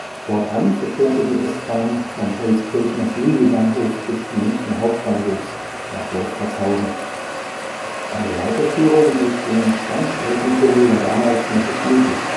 Fortan verkehrte die S-Bahn vom Holzkirchner Flügelbahnhof des Münchner Hauptbahnhofs nach Wolfratshausen. Eine Weiterführung durch den Stammstreckentunnel war damals noch nicht möglich